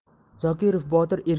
zokirov botir